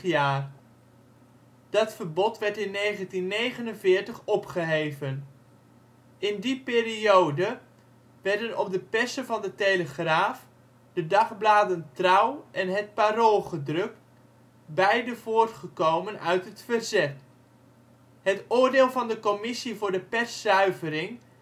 jaar. Dat verbod werd in 1949 opgeheven. In die periode werden op de persen van De Telegraaf de dagbladen Trouw en Het Parool gedrukt, beide voortgekomen uit het verzet. Het oordeel van de Commissie voor de Perszuivering